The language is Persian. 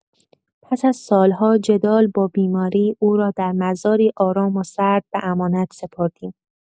پس از سال‌ها جدال با بیماری، او را در مزاری آرام و سرد به امانت سپردیم.